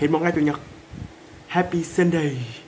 hết một ngày chủ nhật happy sunday